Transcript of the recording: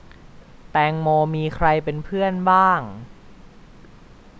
แตงโมมีใครเป็นเพื่อนบ้าง